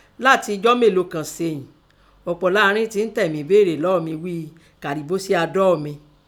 Látin ijọ́ mélòó kàn seyìn, ọ̀pọ̀ lára rin ín tẹ mí béèrè lọ́ọ́ mi ghí i, Kàrí bo se á 'dọ̀ mi?